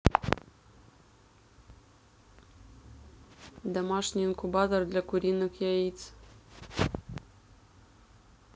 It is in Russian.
домашний инкубатор для куриных яиц